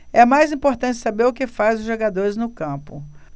é mais importante saber o que fazem os jogadores no campo